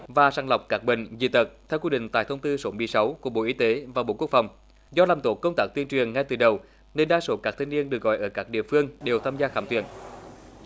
và sàng lọc các bệnh dị tật theo quy định tại thông tư số mười sáu của bộ y tế và bộ quốc phòng do làm tốt công tác tuyên truyền ngay từ đầu nên đa số các thanh niên được gọi ở các địa phương đều tham gia khám tuyển